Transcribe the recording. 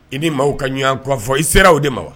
I ni maaw ka ɲɔɔn kofɔ i sera o de ma wa